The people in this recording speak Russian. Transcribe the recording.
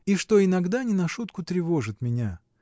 и что иногда не на шутку тревожит меня.